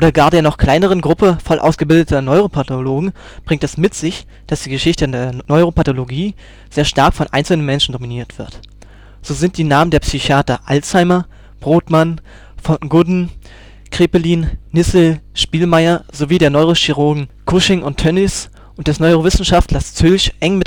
gar der noch kleineren Gruppe vollausgebildeter Neuropathologen bringt es mit sich, dass die Geschichte der Neuropathologie sehr stark von einzelnen Menschen dominiert wird. So sind die Namen der Psychiater Alzheimer, Brodmann, von Gudden, Kraepelin, Nissl, Spielmeyer sowie der Neurochirurgen Cushing und Tönnis und des Neurowissenschaftlers Zülch eng